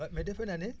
waa mais defee naa ne